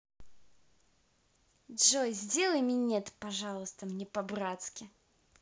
джой сделай минет пожалуйста мне по братски